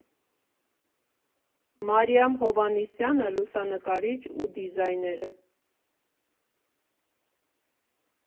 Մարիամ Հովհաննիսյանը լուսանկարիչ ու դիզայներ է։